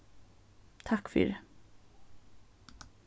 takk fyri